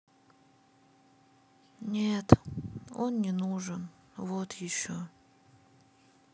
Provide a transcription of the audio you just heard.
нет он не нужен вот еще